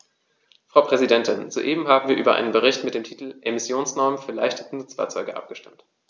Frau Präsidentin, soeben haben wir über einen Bericht mit dem Titel "Emissionsnormen für leichte Nutzfahrzeuge" abgestimmt.